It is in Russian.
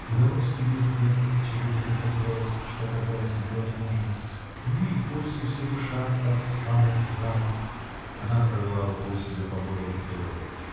Удалось тебе сделать, чего тебе хотелось, что казалось невозможным, -- ну и пользуйся, душа, по самый край!-- Она провела рукой себе по горлу поперек.